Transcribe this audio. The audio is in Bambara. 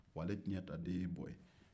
wa ale cɛn ta den ye bɔ